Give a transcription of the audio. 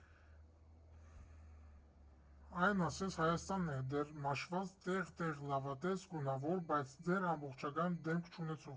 Այն ասես Հայաստանն է՝ դեռ մաշված, տեղ֊տեղ լավատես֊գունավոր, բայց դեռ ամբողջական դեմք չունեցող։